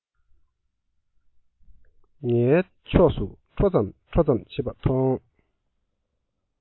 ངའི ཕྱོགས སུ འཕྲོ ཙམ འཕྲོ ཙམ བྱེད པ མཐོང